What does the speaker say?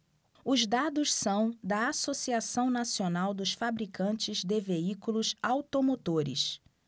os dados são da anfavea associação nacional dos fabricantes de veículos automotores